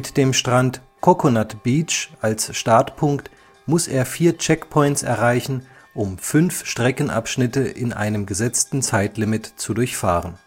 dem Strand Coconut Beach als Startpunkt muss er vier Checkpoints erreichen, um fünf Streckenabschnitte in einem gesetzten Zeitlimit zu durchfahren